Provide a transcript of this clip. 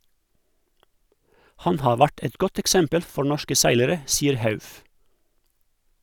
Han har vært et godt eksempel for norske seilere , sier Hauff.